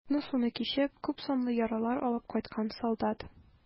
Утны-суны кичеп, күпсанлы яралар алып кайткан солдат.